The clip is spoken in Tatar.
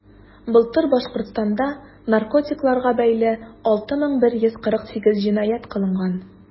Былтыр Башкортстанда наркотикларга бәйле 6148 җинаять кылынган.